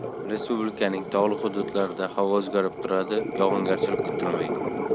respublikaning tog'li hududlarida havo o'zgarib turadi yog'ingarchilik kutilmaydi